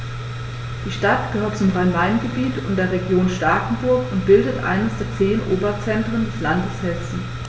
Die Stadt gehört zum Rhein-Main-Gebiet und der Region Starkenburg und bildet eines der zehn Oberzentren des Landes Hessen.